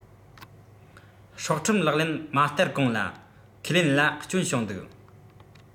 སྲོག ཁྲིམས ལག ལེན མ བསྟར གོང ལ ཁས ལེན ལ སྐྱོན བྱུང འདུག